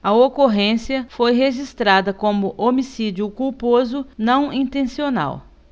a ocorrência foi registrada como homicídio culposo não intencional